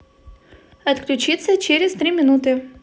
отключиться через три минуты